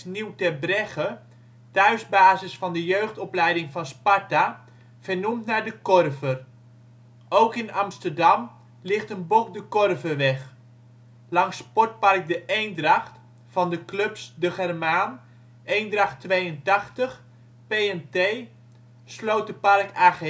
Nieuw Terbregge, thuisbasis van de jeugdopleiding van Sparta, vernoemd naar De Korver. Ook in Amsterdam ligt een Bok de Korverweg, langs Sportpark de Eendracht van de clubs De Germaan, Eendracht ' 82, P&T, Sloterpark/AGS